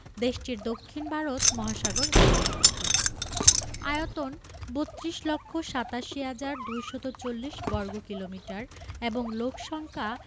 দেশটির দক্ষিণ ভারত মহাসাগর অবস্থিত আয়তন ৩২ লক্ষ ৮৭ হাজার ২৪০ বর্গ কিমি এবং লোক সংখ্যা